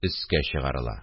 Өскә чыгарыла